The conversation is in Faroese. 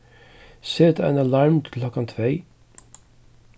set ein alarm til klokkan tvey